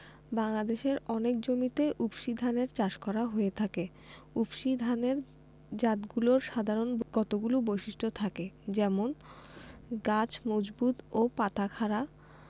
বাংলাদেশের অনেক জমিতে উফশী ধানের চাষ করা হয়ে থাকে উফশী ধানের জাতগুলোর সাধারণ কতগুলো বৈশিষ্ট্য থাকে যেমনঃ গাছ মজবুত ও পাতা খাড়া